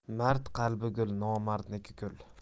mard qalbi gul nomardniki kul